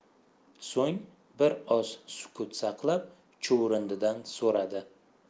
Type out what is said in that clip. so'ng bir oz sukut saqlab chuvrindidan so'radi